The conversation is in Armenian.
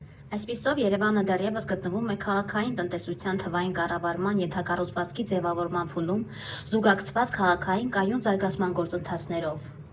Այսպիսով Երևանը դեռևս գտնվում է քաղաքային տնտեսության թվային կառավարման ենթակառուցվածքի ձևավորման փուլում՝ զուգակցված քաղաքային կայուն զարգացման գործընթացներով։